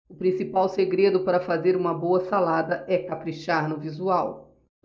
o principal segredo para fazer uma boa salada é caprichar no visual